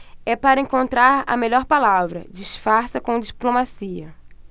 é para encontrar a melhor palavra disfarça com diplomacia